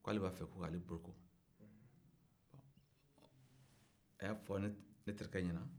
k'ale b'a fɛ ko k'ale boloko a y'a fɔ ne terikɛ ɲɛna